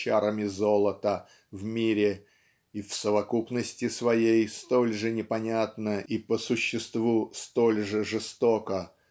чарами золота в мире и "в совокупности своей столь же непонятно и. по существу столь же жестоко"